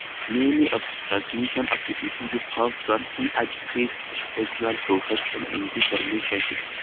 Many of the transmissions of the diseases come from inadequate sexual protections in these relationships.